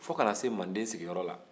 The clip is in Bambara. fo kana se manden sigiyɔrɔ la